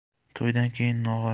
to'ydan keyin nog'ora